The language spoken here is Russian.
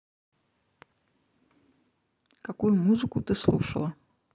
какую музыку ты слушала